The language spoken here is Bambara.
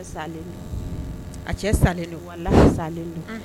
Cɛ